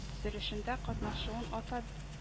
Төзелешендә катнашуын атад